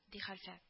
Ди хәлфә